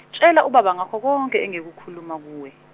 tshela ubaba ngakho konke engikukhuluma kuwe.